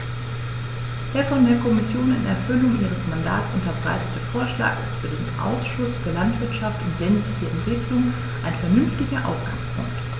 Der von der Kommission in Erfüllung ihres Mandats unterbreitete Vorschlag ist für den Ausschuss für Landwirtschaft und ländliche Entwicklung ein vernünftiger Ausgangspunkt.